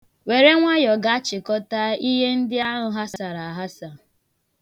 Were nwayọọ gaa chịkọta ihe ndị ahụ ghasara aghasa.